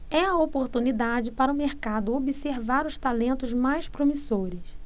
é a oportunidade para o mercado observar os talentos mais promissores